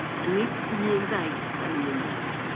A nid un daith dan ni'n mynd arni.